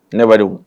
Nebali